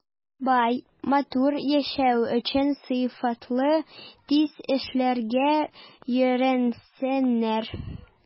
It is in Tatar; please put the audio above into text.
Бай, матур яшәү өчен сыйфатлы, тиз эшләргә өйрәнсеннәр.